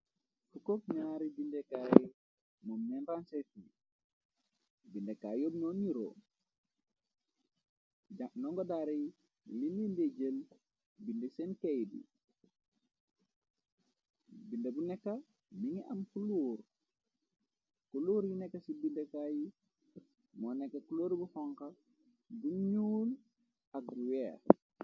c kook 2ar bindekaayi moom 6 bi bindekaay yob noo niro ndongo daare yi lindi nde jël binde seen key di binde bu nekka mi ngi am kluur ku luur yi nekk ci bindekaa yi moo nekka clore bu fanka buñ ñuon ak rweer